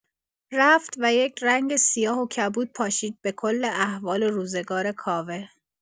رفت و یک رنگ سیاه و کبود پاشید به‌کل احوال و روزگار کاوه.